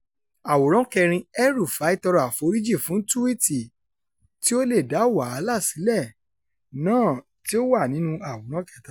Àwòrán 4: El-Rufai tọrọ àforíjì fún túwíìtì “tí ó lè dá wàhálà sílẹ̀” náà tí ó wà ń'nú Àwòrán 3.